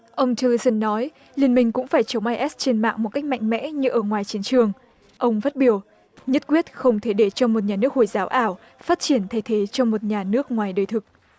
ông tia li xưn nói liên minh cũng phải chống ai ét trên mạng một cách mạnh mẽ như ở ngoài chiến trường ông phát biểu nhất quyết không thể để cho một nhà nước hồi giáo ảo phát triển thay thế cho một nhà nước ngoài đời thực